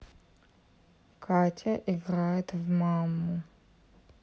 катя играет в маму